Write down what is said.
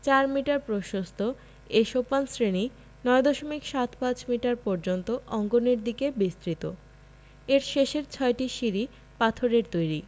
৪ metre প্রশস্ত এ সোপান শ্রেণি ৯ দশমিক সাত পাঁচ মিটার পর্যন্ত অঙ্গনের দিকে বিস্তৃত এর শেষের ছয়টি সিঁড়ি পাথরের তৈরি